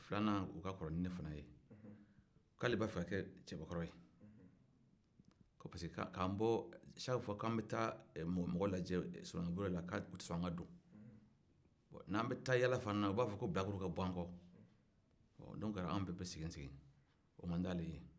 filanan o ka kɔrɔ ni ne fana ye k'ale b'a fɛ ka kɛ cɛbakɔrɔ ye ko saki fuwa k'an bɛ taa mɔgɔ lajɛ soloma bure la k'u tɛ son an ka don n'an bɛ taa yaala fana u b'a fɔ ko bilakorow ka b'an kɔ dɔnku anw bɛɛ bɛ segin segin o man d'ale ye